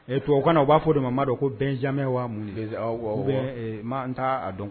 Eee tubabu kana na u b'a fɔ de ma maa ma dɔn ko bɛnjamɛ wa munse bɛ ma' a dɔn